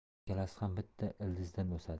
ikkalasi ham bitta ildizdan o'sadi